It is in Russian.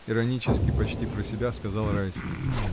— иронически, почти про себя сказал Райский.